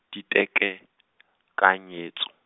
diteko , kanyetso.